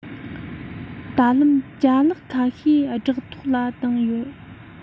ད ལམ ཅ ལག ཁ ཤས སྦྲག ཐོག ལ བཏང ཡོད